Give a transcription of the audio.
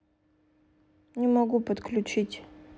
не могу подключить